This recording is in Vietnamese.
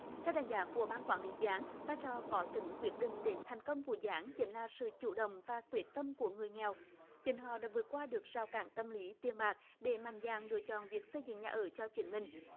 theo đánh giá của ban quản lý dự án vai trò có tính quyết định đến thành công của dự án chính là sự chủ động và quyết tâm của người nghèo chính họ đã vượt qua được rào cản tâm lý tiền bạc để mạnh dạn lựa chọn việc xây dựng nhà ở cho chính mình